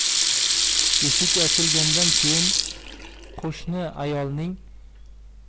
eshik ochilgandan keyin qo'shni ayolning